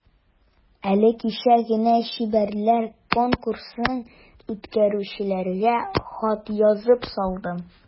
Әле кичә генә чибәрләр конкурсын үткәрүчеләргә хат язып салдым.